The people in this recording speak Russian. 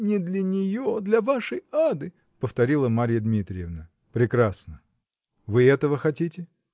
-- Не для нее, для вашей Ады, -- повторила Марья Дмитриевна. -- Прекрасно. Вы этого хотите?